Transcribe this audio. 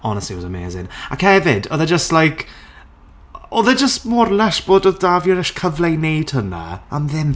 Honestly, it was amazing. Ac hefyd, oedd e jyst like* oedd e jyst mor lysh bod oedd 'da fi y cyfle i wneud hynna am ddim!